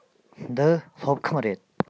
འདི སློབ ཁང རེད